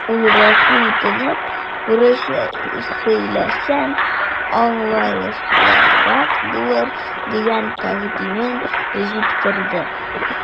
Ул гафу үтенеп, урысча сөйләсәм, аңлаешлырак булыр дигән тәкъдимен җиткерде.